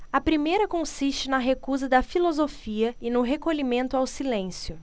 a primeira consiste na recusa da filosofia e no recolhimento ao silêncio